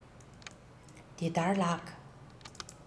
དེ ལྟར ལགས